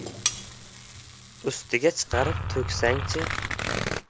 ustiga chiqarib to'ksangchi